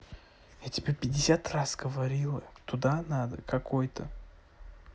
я тебе пятьдесят раз говорила туда надо какой то